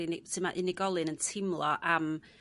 uni- sut ma' unigolyn yn teimlo am